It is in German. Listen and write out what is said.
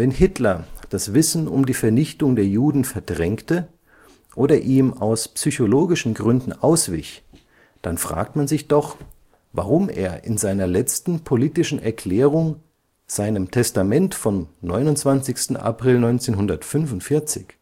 Hitler […] das Wissen um die Vernichtung der Juden verdrängte oder ihm aus psychologischen Gründen auswich, dann fragt man sich doch, warum er in seiner letzten politischen Erklärung, seinem Testament vom 29. April 1945